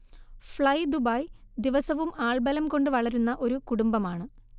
fly Dubai ദിവസവും ആൾബലം കൊണ്ട് വളരുന്ന ഒരു കുടുംബമാണ്